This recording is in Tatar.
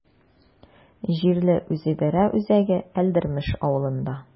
Җирле үзидарә үзәге Әлдермеш авылында.